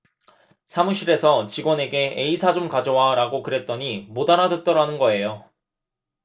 사무실에서 직원에게 에이사 좀 가져와라고 그랬더니 못 알아듣더라는 거예요